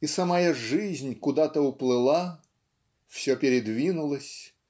и самая жизнь куда-то уплыла все передвинулось